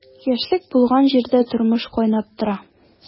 Яшьлек булган җирдә тормыш кайнап тора.